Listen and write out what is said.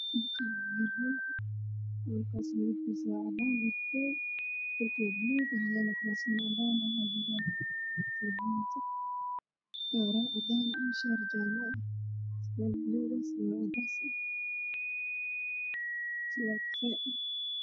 Meeshaan waa meel loola waxaa fadhiyo niman fara badan oo shir ku jiro nimanka waxay wataan dhabcan iyo dhar jaalala